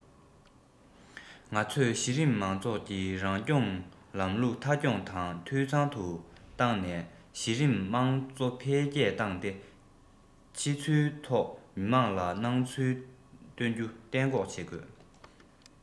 ང ཚོས གཞི རིམ མང ཚོགས ཀྱི རང སྐྱོང ལམ ལུགས མཐའ འཁྱོངས དང འཐུས ཚང དུ བཏང ནས གཞི རིམ དམངས གཙོ འཕེལ རྒྱས བཏང སྟེ ཕྱི ཚུལ ཐོག མི དམངས ལ སྣང ཚུལ ཐོན རྒྱུ གཏན འགོག བྱེད དགོས